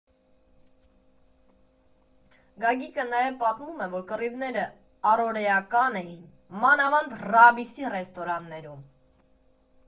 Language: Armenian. Գագիկը նաև պատմում է, որ կռիվները առօրեական էին, մանավանդ ՌԱԲԻՍ֊ի ռեստորաններում։